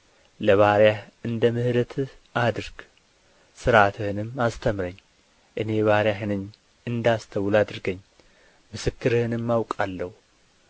ለባሪያህ እንደ ምሕረትህ አድርግ ሥርዓትህንም አስተምረኝ እኔ ባሪያህ ነኝ እንዳስተውል አድርገኝ ምስክርህንም አውቃለሁ